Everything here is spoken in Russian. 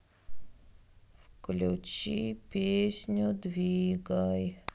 включи песню двигай